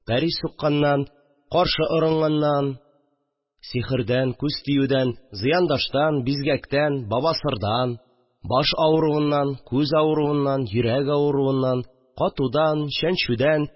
Пәри сукканнан, каршы орынганнан, сиуэрдән, күз тиюдән, зыяндаштан, бизгәктән, бабасырдан, баш авыруыннан, күз авыруыннан, йөрәк авыруыннан, катудан, чәнчүдән